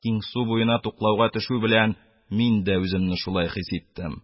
Киң су буена туклауга төшү белән мин дә үземне шулай хис иттем: